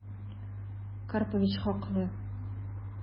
Карпович хаклы...